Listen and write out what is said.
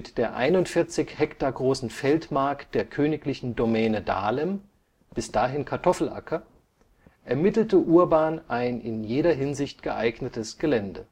der 41 Hektar großen Feldmark der Königlichen Domäne Dahlem, bis dahin Kartoffelacker, ermittelte Urban ein in jeder Hinsicht geeignetes Gelände